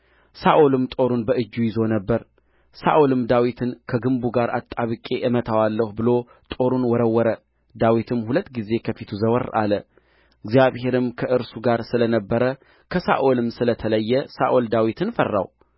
ሳኦልም ጦሩን በእጁ ይዞ ነበር ሳኦልም ዳዊትን ከግንቡ ጋር አጣብቄ እመታዋለሁ ብሎ ጦሩን ወረወረ ዳዊትም ሁለት ጊዜ ከፊቱ ዘወር አለ እግዚአብሔርም ከእርሱ ጋር ስለ ነበረ ከሳኦልም ስለ ተለየ ሳኦል ዳዊትን ፈራው